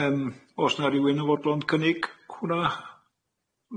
Yym o's 'na rywun yn fodlon cynnig hwnna?